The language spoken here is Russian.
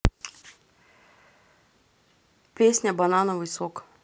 песня банановый сок